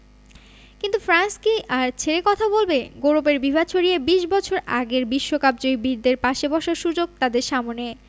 কিন্তু ফ্রান্স কি আর ছেড়ে কথা বলবে গৌরবের বিভা ছড়িয়ে ২০ বছর আগের বিশ্বকাপজয়ী বীরদের পাশে বসার সুযোগ তাদের সামনে